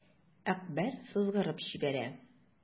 Әкбәр сызгырып җибәрә.